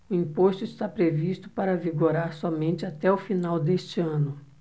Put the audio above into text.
o imposto está previsto para vigorar somente até o final deste ano